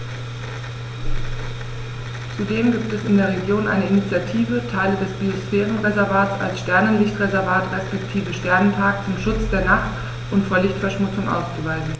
Zudem gibt es in der Region eine Initiative, Teile des Biosphärenreservats als Sternenlicht-Reservat respektive Sternenpark zum Schutz der Nacht und vor Lichtverschmutzung auszuweisen.